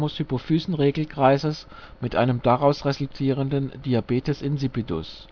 Hypothalamus-Hypophysen-Regelkreises mit einem daraus resultierendem Diabetes insipidus